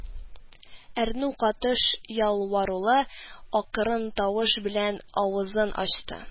Әрнү катыш ялварулы акрын тавыш белән авызын ачты: